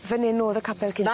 Fyn 'yn o'dd y capel cynta?